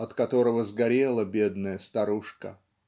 от которого сгорела бедная старушка